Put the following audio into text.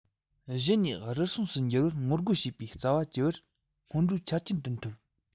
གཞི ནས རུལ སུངས སུ འགྱུར བར ངོ རྒོལ བྱེད པའི རྩ བ བཅོས པར སྔོན འགྲོའི ཆ རྐྱེན སྐྲུན ཐུབ